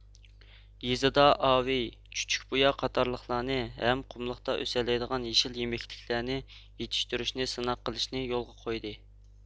يېزىدا ئاۋېي چۈچۈكبۇيا قاتارلىقلارنى ھەم قۇملۇقتا ئۆسەلەيدىغان يېشىل يېمەكلىكلەرنى يېتىشتۈرۈشنى سىناق قىلىشنى يولغا قويدى